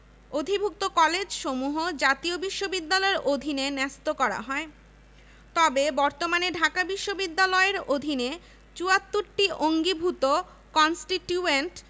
Haridas Bhattacharya A F Rahman Gyanchandra Ghosh Fida Ali Khan W A Jenkins পদার্থবিজ্ঞানী Satyendranath Bose S N Bose